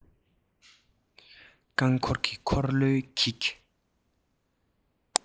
རྐང འཁོར གྱི འཁོར ལོའི འགྱིག